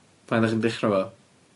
Pa un 'ych chi'n dechra' 'fo?